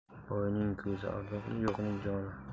boyning moli ardoqli yo'qning joni